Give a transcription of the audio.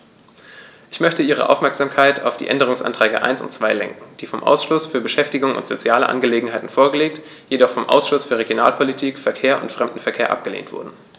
Ich möchte Ihre Aufmerksamkeit auf die Änderungsanträge 1 und 2 lenken, die vom Ausschuss für Beschäftigung und soziale Angelegenheiten vorgelegt, jedoch vom Ausschuss für Regionalpolitik, Verkehr und Fremdenverkehr abgelehnt wurden.